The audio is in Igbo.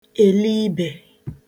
èlibe